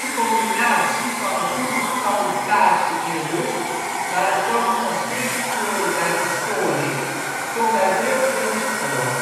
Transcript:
combinatie van een goede camouflage in rust maar het tonen van schrikkleuren bij verstoring komt bij veel vlinders voor